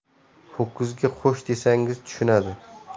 ho'kizga xo'sh desangiz tushunadi